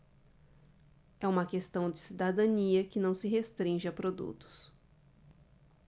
é uma questão de cidadania que não se restringe a produtos